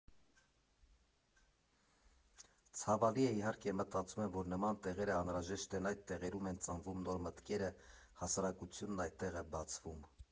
Ցավալի է, իհարկե, մտածում եմ, որ նման տեղերը անհրաժեշտ են, այդ տեղերում են ծնվում նոր մտքերը, հասարակությունն այդտեղ է բացվում։